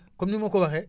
comme ni ma ko waxee